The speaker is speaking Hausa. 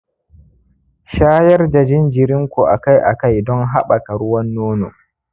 shayar da jinjirinku akai-akai don haɓaka ruwan nono